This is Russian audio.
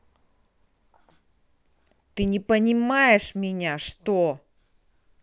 ты не понимаешь меня что